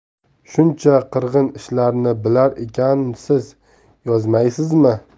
shuncha qirg'in ishlarni bilar ekansiz yozmaysizmi